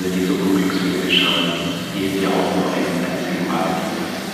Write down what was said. diese Unglücksfälle geschahen, ehe wir auch nur einen einzigen Wal erlegt hatten